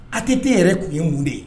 ATT yɛrɛ tun ye mun de ye?